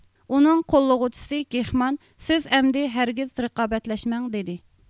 ئۇنىڭ قوللىغۇچىسى گېخمان سىز ئەمدى ھەرگىز رىقابەتلەشمەڭ دېدى